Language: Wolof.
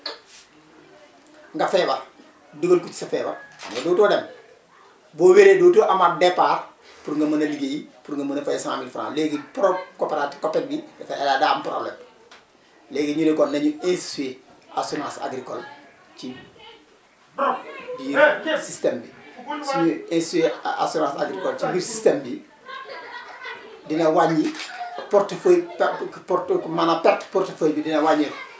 nga feebar dugal ko ci sa feebar xam nga dootoo dem boo wéree dootoo amaat benn départ pour nga mën a liggéey pour nga mën a fay 100000F léegi pro coopéra Copeg bi dafay day am problème léegi ñu ne kon nañu instituer assurance agricole ci biir système bi suénu instituer a assurance agricole ci biir système bi dina wàññi portefeuille perte porte maanaam perte portefeuille bi dina wàññeeku